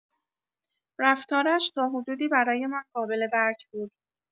رفتارش تا حدودی برایمان قابل‌درک بود.